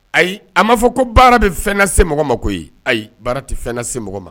Ayi a ma fɔ ko baara bɛ fɛn lase mɔgɔ ma koyi. Ayi baara tɛ fɛn lase mɔgɔ ma.